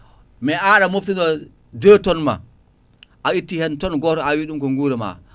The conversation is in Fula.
mais an a moftiɗo 2 tonnes ma a itti hen tonne goto a wi ɗum ko guura ma